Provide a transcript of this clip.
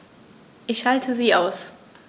Ich schalte sie aus.